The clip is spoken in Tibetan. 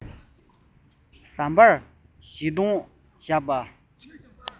ཟམ པར ཞེ འདང བཞག པ